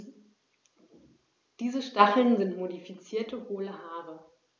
Diese Stacheln sind modifizierte, hohle Haare.